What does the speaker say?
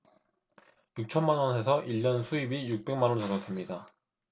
육 천만 원 해서 일 년 수입이 육 백만 원 정도 됩니다